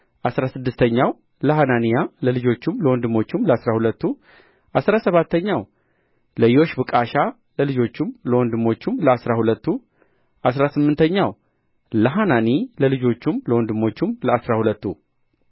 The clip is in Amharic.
አሥራ ስድስተኛው ለሐናንያ ለልጆቹም ለወንድሞቹም ለአሥራ ሁለቱ አሥራ ሰባተኛው ለዮሽብቃሻ ለልጆቹም ለወንድሞቹም ለአሥራ ሁለቱ አሥራ ስምንተኛው ለሐናኒ ለልጆቹም ለወንድሞቹም ለአሥራ ሁለቱ